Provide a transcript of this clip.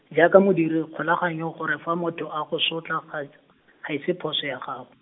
jaaka modiri kgolaganyo gore fa motho a go sotla, ga , ga e se phoso ya gago.